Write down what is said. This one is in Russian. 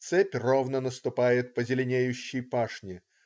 Цепь ровно наступает по зеленеющей пашне.